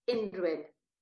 unryw un.